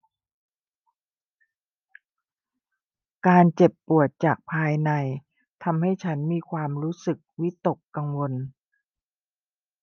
การเจ็บปวดจากภายในทำให้ฉันมีความรู้สึกวิตกกังวล